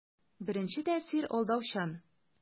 Беренче тәэсир алдаучан.